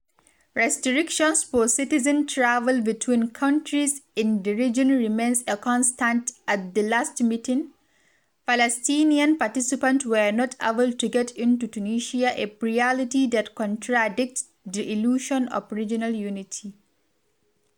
Restrictions for citizen travel between countries in the region remains a constant (at the last meeting, Palestinian participants were not able to get into Tunisia) a reality that contradicts the illusion of regional unity.